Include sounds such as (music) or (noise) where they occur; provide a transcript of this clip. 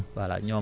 (hesitation) (hesitation)